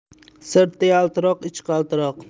sirti yaltiroqning ichi qaltiroq